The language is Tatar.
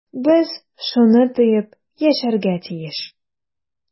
Без шуны тоеп яшәргә тиеш.